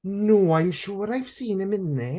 No I'm sure I've seen him in there.